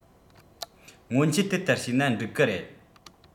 སྔོན ཆད དེ ལྟར བྱས ན འགྲིག གི རེད